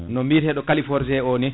no biyeteɗo